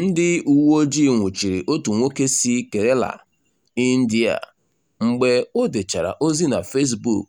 Ndị uweojii nwuchiri otu nwoke si Kerala, India mgbe o dechara ozi na Facebook